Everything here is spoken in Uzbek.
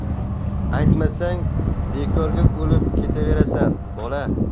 aytmasang bekorga o'lib ketvorasan bola